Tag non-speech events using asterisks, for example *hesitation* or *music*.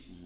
*hesitation* *hesitation*